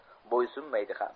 bo'ysunmaydi ham